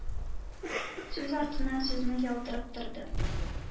Сүз артыннан сүзне яудырып торды,